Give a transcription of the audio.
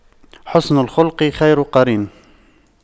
حُسْنُ الخلق خير قرين